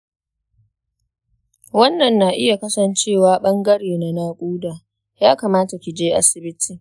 wannan na iya kasancewa ɓangare na naƙuda; ya kamata ki je asibiti.